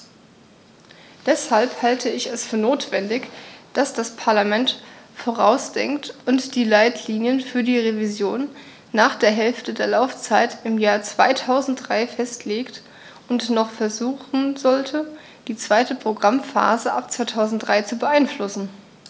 Deshalb halte ich es für notwendig, dass das Parlament vorausdenkt und die Leitlinien für die Revision nach der Hälfte der Laufzeit im Jahr 2003 festlegt und noch versuchen sollte, die zweite Programmphase ab 2003 zu beeinflussen.